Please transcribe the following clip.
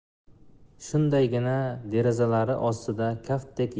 shundaygina derazalari ostidagi kaftdek